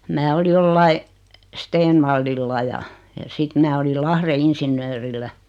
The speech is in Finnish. minä olin jollakin Stenvallilla ja ja sitten minä olin Lahden insinöörillä